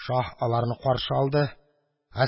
Шаһ аларны каршы алды.